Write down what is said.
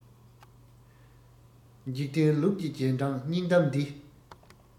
འཇིག རྟེན ལུགས ཀྱི རྗེས འབྲང སྙིང གཏམ འདི